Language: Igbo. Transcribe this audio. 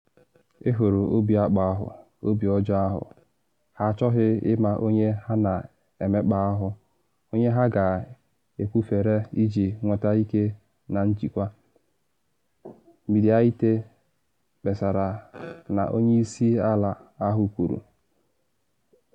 Ị hụrụ obi akpọ ahụ, obi ọjọọ ahụ, ha achọghị ịma onye ha na emekpa ahụ, onye ha ga-ekwofere iji nweta ike na njikwa,” Mediaite kpesara na onye isi ala ahụ kwuru.